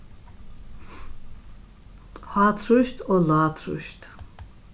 hátrýst og lágtrýst